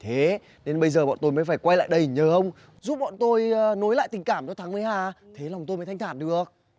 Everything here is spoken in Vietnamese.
thế nên bây giờ bọn tôi mới phải quay lại đây nhờ ông giúp bọn tôi ớ nối lại tình cảm cho thắng với hà thế lòng tôi mới thanh thản được